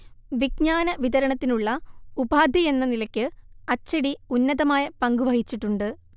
വിജ്ഞാന വിതരണത്തിനുള്ള ഉപാധിയെന്ന നിലയ്ക്ക് അച്ചടി ഉന്നതമായ പങ്കുവഹിച്ചിട്ടുണ്ട്